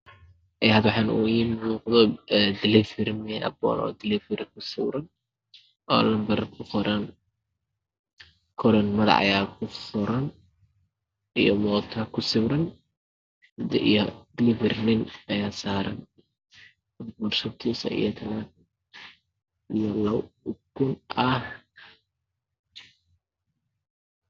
Dalafari ayaa kusawiran iyo muutaasaaran